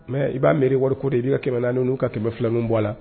Mɛ i b'a miiri wari ko de iram naani n'u ka tɛmɛ fila min bɔ a la